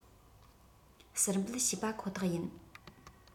ཟུར འབུད བྱས པ ཁོ ཐག ཡིན